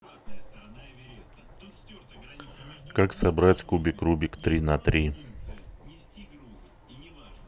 как собрать кубик рубик три на три